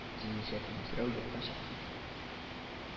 Җиңелчә көлемсерәү юкка чыккан